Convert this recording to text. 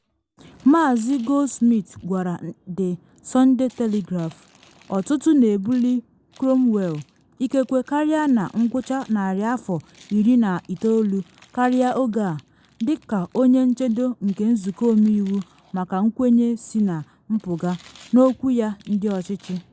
Maazị Goldsmith gwara The Sunday Telegraph: “Ọtụtụ na ebuli Cromwell, ikekwe karịa na ngwụcha narị afọ 19 karịa oge a, dị ka onye nchedo nke nzụkọ omeiwu maka nkwanye si na mpụga, n’okwu ya ndị ọchịchị.